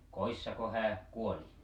kodissako hän kuoli